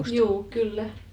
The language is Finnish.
juu kyllä